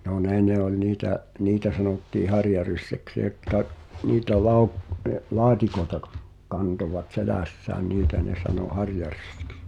no ne ne oli niitä niitä sanottiin harjaryssäksi jotka niitä -- laatikoita - kantoivat selässään niitä ne sanoi harjaryssiksi